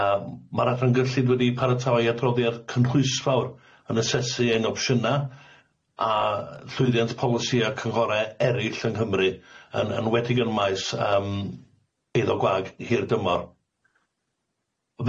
Yym ma'r Adran Gyllid wedi paratoi adroddiad cynhwysfawr yn asesu ein opshyna a llwyddiant polisia cynghore eryll yng Nghymru yn enwedig yn maes yym eiddo gwag hir dymor.